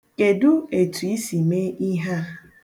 Kedụ etu i si mee ihe a?